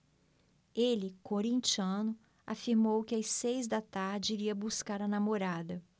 ele corintiano afirmou que às seis da tarde iria buscar a namorada